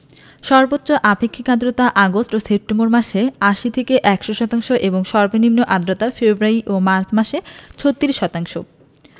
সর্বোচ্চ আপেক্ষিক আর্দ্রতা আগস্ট সেপ্টেম্বর মাসে ৮০ থেকে ১০০ শতাংশ এবং সর্বনিম্ন আর্দ্রতা ফেব্রুয়ারি ও মার্চ মাসে ৩৬ শতাংশ